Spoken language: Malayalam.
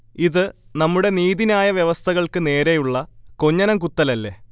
ഇത് നമ്മുടെ നീതിന്യായ വ്യവസ്ഥകൾക്ക് നേരെയുള്ള കൊഞ്ഞനം കുത്തലല്ലേ